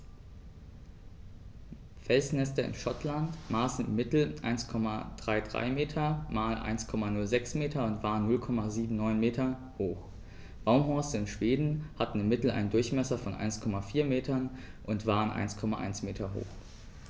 Felsnester in Schottland maßen im Mittel 1,33 m x 1,06 m und waren 0,79 m hoch, Baumhorste in Schweden hatten im Mittel einen Durchmesser von 1,4 m und waren 1,1 m hoch.